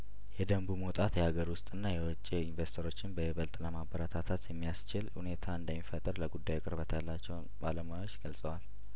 የደንቡ መውጣት የአገር ውስጥና የውጪ ኢንቬስተ ሮችን በይበልጥ ለማበረታታት የሚያስችል ሁኔታን እንደሚፈጥር ለጉዳዩ ቅርበት ያላቸው ባለሙያዎች ገልጸዋል